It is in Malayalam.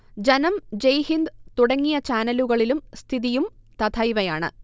ജനം, ജയ്ഹിന്ദ് തുടങ്ങിയ ചാനലുകളിലും സ്ഥിതിയും തഥൈവയാണ്